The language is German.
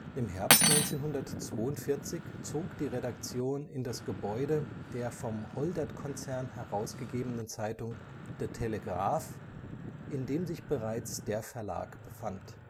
Im Herbst 1942 zog die Redaktion in das Gebäude der vom Holdert-Konzern herausgegebenen Zeitung De Telegraaf, in dem sich bereits der Verlag befand